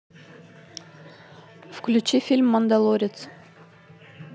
включи фильм мандалорец